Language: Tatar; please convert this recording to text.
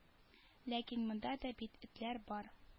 Ләкин монда да бит этләр бар